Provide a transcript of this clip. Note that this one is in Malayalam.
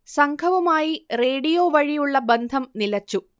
സംഘവുമായി റേഡിയോ വഴിയുള്ള ബന്ധം നിലച്ചു